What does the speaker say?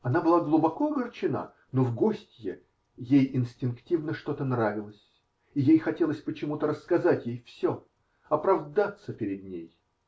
Она была глубоко огорчена, но в гостье ей инстинктивно что-то нравилось, и ей хотелось почему-то рассказать ей "все", "оправдаться" перед ней.